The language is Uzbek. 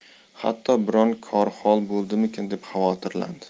hatto biron kori hol bo'ldimikin deb xavotirlandi